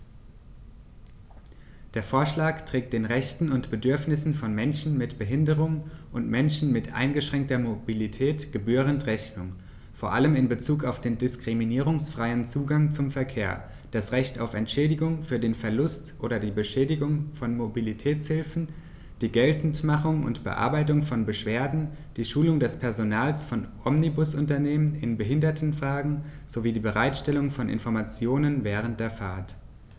Der Vorschlag trägt den Rechten und Bedürfnissen von Menschen mit Behinderung und Menschen mit eingeschränkter Mobilität gebührend Rechnung, vor allem in Bezug auf den diskriminierungsfreien Zugang zum Verkehr, das Recht auf Entschädigung für den Verlust oder die Beschädigung von Mobilitätshilfen, die Geltendmachung und Bearbeitung von Beschwerden, die Schulung des Personals von Omnibusunternehmen in Behindertenfragen sowie die Bereitstellung von Informationen während der Fahrt.